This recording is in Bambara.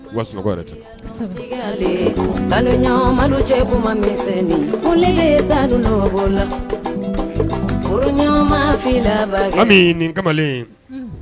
Wa sunɔgɔ yɛrɛ tɛ Ami nin kamalen in, unhun